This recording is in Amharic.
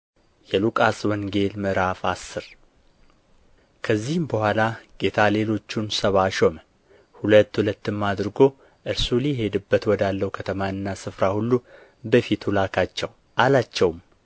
የሉቃስ ወንጌል ምዕራፍ አስር ከዚህም በኋላ ጌታ ሌሎቹን ሰብዓ ሾመ ሁለት ሁለትም አድርጎ እርሱ ሊሄድበት ወዳለው ከተማና ስፍራ ሁሉ በፊቱ ላካቸው አላቸውም